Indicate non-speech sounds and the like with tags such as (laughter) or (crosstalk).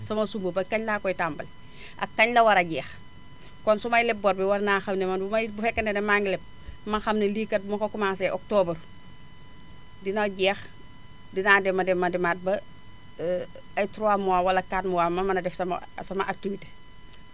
sama sumb ba kañ laa koy tàmbali (breath) ak kañ la war a jeex kon su may leb bor bi war naa xam ne man bu may bu fekkente ne maa ngi leb ma xam ne lii kat bu ma ko commencé octobre dina jeex dinaa dem a dem a demaat ba (hesitation) ay 3 mois wala 4 mois ma mën a def sama sama activité